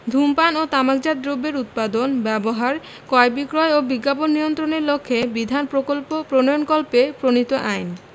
ধূমপান ও তামাকজাত দ্রব্যের উৎপাদন ব্যবহার ক্রয় বিক্রয় ও বিজ্ঞাপন নিয়ন্ত্রণের লক্ষ্যে বিধান প্রণয়নকল্পে প্রণীত আইন